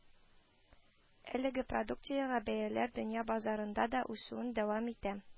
Әлеге продукциягә бәяләр дөнья базарында да үсүен дәвам итә